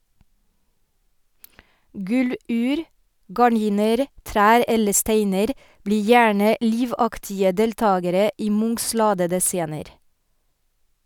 Gulvur, gardiner, trær eller steiner blir gjerne livaktige deltagere i Munchs ladede scener.